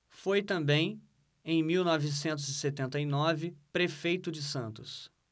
foi também em mil novecentos e setenta e nove prefeito de santos